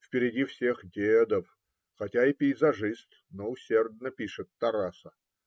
Впереди всех Дедов, хотя и пейзажист, но усердно пишет Тараса.